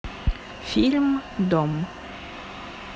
фильм дом